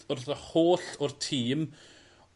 wrth y holl o'r tîm